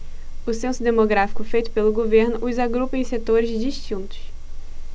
o censo demográfico feito pelo governo os agrupa em setores distintos